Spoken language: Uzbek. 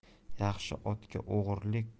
yaxshi otga o'g'irlik